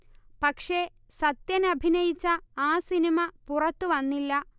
പക്ഷേ സത്യനഭിനയിച്ച ആ സിനിമ പുറത്തുവന്നില്ല